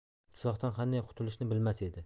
tuzoqdan qanday qutulishni bilmas edi